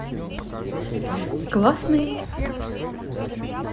классный